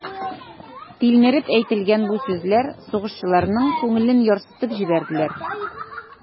Тилмереп әйтелгән бу сүзләр сугышчыларның күңелен ярсытып җибәрделәр.